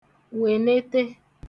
wènete